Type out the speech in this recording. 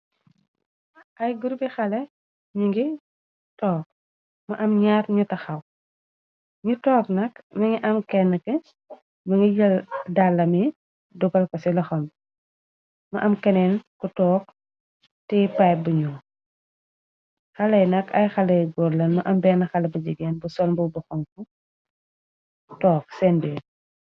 Ay gurbi xale ñi ngi took ma am ñaar ñu taxaw ni toog nak. Mi ngi am kenn ki mi ngi dàlami dugal ko ci loxam ma. Am kenneen ku toog tey payp buñu xaley nak ay xaley góor lan ma. Am benn xale ba jegeen bu solmbu bu xomku toog seen deer.